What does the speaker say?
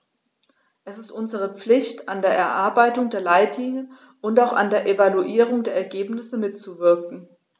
Es ist unsere Pflicht, an der Erarbeitung der Leitlinien und auch an der Evaluierung der Ergebnisse mitzuwirken.